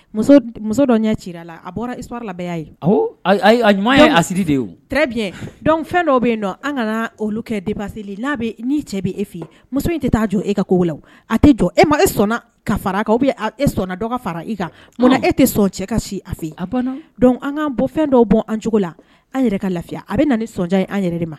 Muso dɔ ɲɛ ci la a laya ye ɲuman a de dɔn fɛn dɔw bɛ dɔn an kana olu kɛ de basi ni cɛ bɛ e fɔ muso in tɛ t'a jɔ e ka ko a tɛ jɔ e ma e sɔnna ka fara bɛ e sɔnna dɔgɔ fara i kan munna e tɛ sɔn cɛ ka si a fɛ an ka fɛn dɔw bɔ an cogo la an yɛrɛ ka lafiya a bɛ na ni sondiya an yɛrɛ de ma